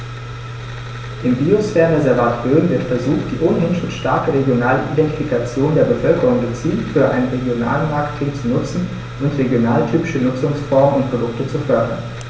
Im Biosphärenreservat Rhön wird versucht, die ohnehin schon starke regionale Identifikation der Bevölkerung gezielt für ein Regionalmarketing zu nutzen und regionaltypische Nutzungsformen und Produkte zu fördern.